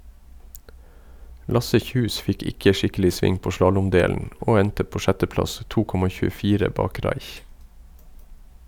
Lasse Kjus fikk ikke skikkelig sving på slalåmdelen, og endte på sjetteplass, 2,24 bak Raich.